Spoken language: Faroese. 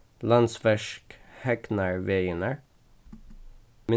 landsverk hegnar vegirnar